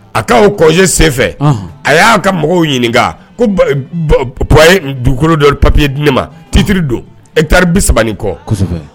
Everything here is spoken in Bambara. A k'aw kɔse senfɛ a y'a ka mɔgɔw ɲininka ko p dugukolo dɔ papiye di ne ma titiriri don etri bi saba kɔ